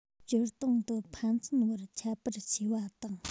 སྤྱིར བཏང དུ ཕན ཚུན བར ཁྱད པར ཆེ བ དང